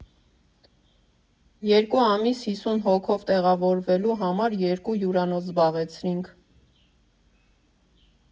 Երկու ամիս հիսուն հոգով տեղավորվելու համար երկու հյուրանոց զբաղեցրինք։